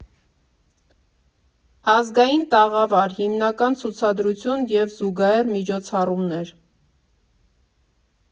Ազգային տաղավար, հիմնական ցուցադրություն և զուգահեռ միջոցառումներ։